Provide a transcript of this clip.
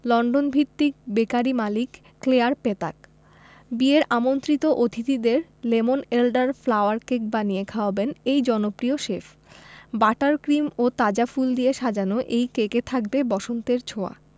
লন্ডনভিত্তিক বেকারি মালিক Claire Ptak বিয়ের আমন্ত্রিত অতিথিদের লেমন এলডার ফ্লাওয়ার কেক বানিয়ে খাওয়াবেন এই জনপ্রিয় শেফ বাটার ক্রিম ও তাজা ফুল দিয়ে সাজানো সেই কেকে থাকবে বসন্তের ছোঁয়া